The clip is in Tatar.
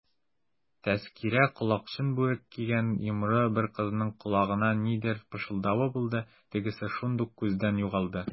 Тәзкирә колакчын бүрек кигән йомры бер кызның колагына нидер пышылдавы булды, тегесе шундук күздән югалды.